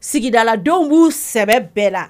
Sigidaladenw b'u sɛbɛ bɛɛ la